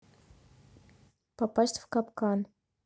попасть в капкан